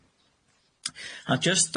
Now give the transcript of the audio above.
A jyst dros